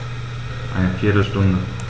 Eine viertel Stunde